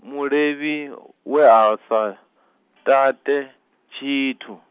mulevhi, we a sa , tate, tshithu.